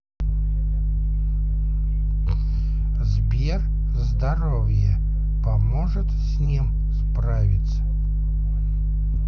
сбер здоровье поможет с ним справиться